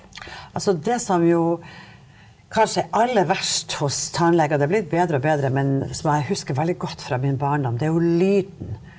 altså det som jo kanskje er aller verst hos tannleger det har blitt bedre og bedre men som jeg husker veldig godt fra min barndom det er jo lyden.